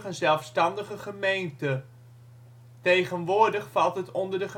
zelfstandige gemeente. Tegenwoordig valt het onder de